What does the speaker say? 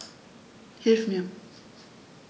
Hilf mir!